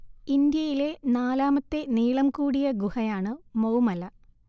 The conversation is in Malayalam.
ഇന്ത്യയിലെ നാലാമത്തെ നീളം കൂടിയ ഗുഹയാണ് മൗമല